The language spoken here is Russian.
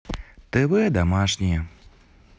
тв домашнее